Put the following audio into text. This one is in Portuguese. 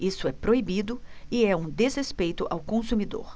isso é proibido e é um desrespeito ao consumidor